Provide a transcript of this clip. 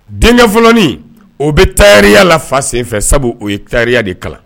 Denkɛ fɔlɔin o bɛ taya la fa senfɛ sabu o ye taya de kalan